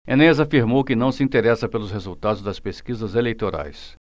enéas afirmou que não se interessa pelos resultados das pesquisas eleitorais